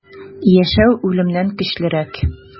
Яшәү үлемнән көчлерәк.